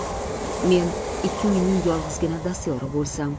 men ikki uyning yolg'izgina dastyori bo'lsam